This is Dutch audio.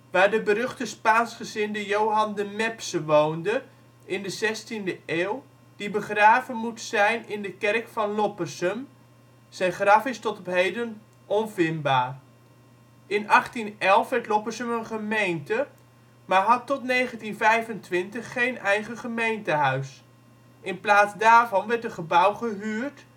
waar de beruchte Spaansgezinde Johan de Mepsche woonde in de 16e eeuw, die begraven moet zijn in de kerk van Loppersum (zijn graf is tot op heden onvindbaar). In 1811 werd Loppersum een gemeente, maar had tot 1925 geen eigen gemeentehuis. In plaats daarvan werd een gebouw gehuurd